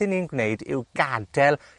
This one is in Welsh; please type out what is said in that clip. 'yn ni'n gwneud yw gadel